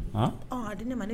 Di ne ma